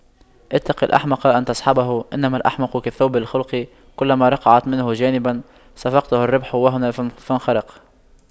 اتق الأحمق أن تصحبه إنما الأحمق كالثوب الخلق كلما رقعت منه جانبا صفقته الريح وهنا فانخرق